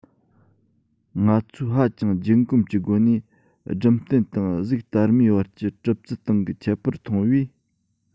ང ཚོས ཧ ཅང རྒྱུན གོམས ཀྱི སྒོ ནས སྦྲུམ རྟེན དང གཟུགས དར མའི བར གྱི གྲུབ ཚུལ སྟེང གི ཁྱད པར མཐོང བས